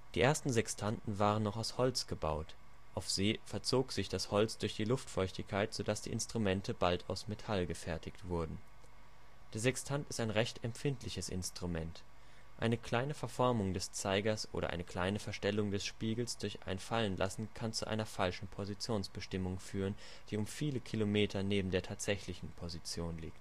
ersten Sextanten waren noch aus Holz gebaut. Auf See verzog sich das Holz durch die Luftfeuchtigkeit, so dass die Instrumente bald aus Metall gefertigt wurden. Der Sextant ist ein recht empfindliches Instrument. Eine kleine Verformung des Zeigers oder eine kleine Verstellung des Spiegels durch ein Fallenlassen kann zu einer falschen Positionsbestimmung führen, die um viele Kilometer neben der tatsächlichen Position